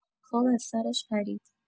خواب از سرش پرید.